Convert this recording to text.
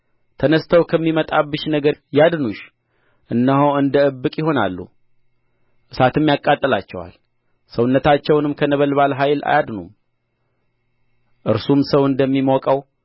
ተነሥተው ከሚመጣብሽ ነገር ያድኑሽ እነሆ እንደ እብቅ ይሆናሉ እሳትም ያቃጥላቸዋል ሰውነታቸውንም ከነበልባል ኃይል አያድኑም እርሱም ሰው እንደሚሞቀው